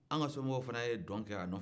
anw ka somɔgɔw fana ye don k'a nɔfɛ